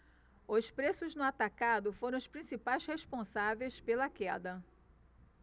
os preços no atacado foram os principais responsáveis pela queda